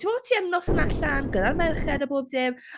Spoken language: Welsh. Ti'n gwybod ti ar noson allan gyda'r merched a bob dim,